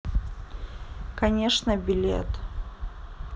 конечно билет